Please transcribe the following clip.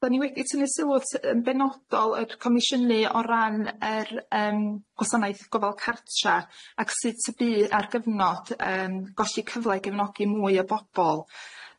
Da ni wedi tynnu sylw t- yn benodol y comisiynu o ran yr yym gwasanaeth gofal cartra ac sut y bu ar gyfnod yym golli cyfle i gefnogi mwy o bobol.